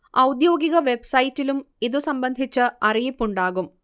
ഔദ്യോഗിക വെബ്സൈറ്റിലും ഇതുസംബന്ധിച്ച് അറിയിപ്പുണ്ടാകും